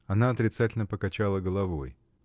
Она отрицательно покачала головой.